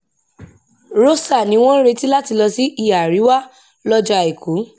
Rosa ni wọ́n ń retí láti lọsí ìhà àríwá lọjọ́ Àìkú.